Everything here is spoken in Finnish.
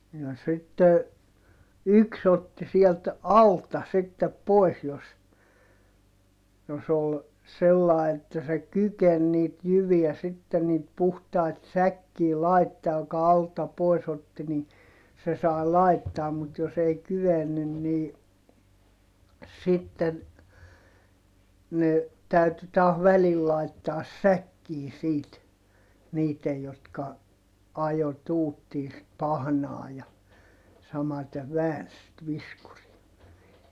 ja sitten yksi otti sieltä alta sitten pois jos jos oli sillä lailla että se kykeni niitä jyviä sitten niitä puhtaita säkkiin laittamaan joka alta pois otti niin se sai laittaa mutta jos ei kyennyt niin sitten ne täytyi taas välillä laittaa säkkiin siitä niiden jotka ajoi tuuttiin sitä pahnaa ja samaten väänsi sitä viskuria